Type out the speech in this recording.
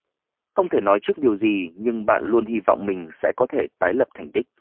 không thể nói trước điều gì nhưng bạn luôn hi vọng mình sẽ có thể tái lập thành tích